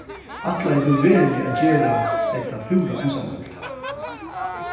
ætlaði tú veruliga at gera hetta púra einsamøll